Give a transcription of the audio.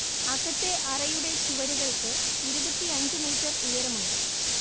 അകത്തെ അറയുടെ ചുവരുകൾക്ക് ഇരുപത്തിയഞ്ച് മീറ്റർ ഉയരമുണ്ട്